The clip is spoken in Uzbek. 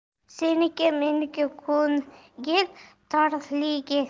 seniki meniki ko'ngil torligi